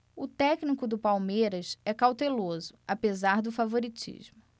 o técnico do palmeiras é cauteloso apesar do favoritismo